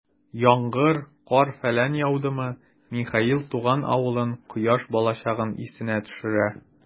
Яңгыр, кар-фәлән яудымы, Михаил туган авылын, кояшлы балачагын исенә төшерә.